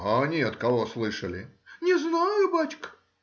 — А они от кого слышали? — Не знаю, бачка.